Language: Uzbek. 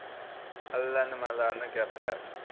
allanimalarni gapirar